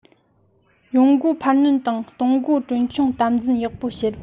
ཡོང སྒོ འཕར སྣོན དང གཏོང སྒོ གྲོན ཆུང དམ འཛིན ཡག པོ བྱེད